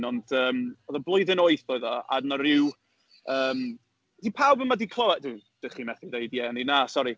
Ond yym, oedd o'n blwyddyn wyth oedd o, a oedd 'na ryw, yym... 'Di pawb yma 'di clywe-... D- dach chi methu deud ie neu na, sori.